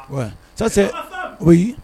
Ouais ça c'est Abab oui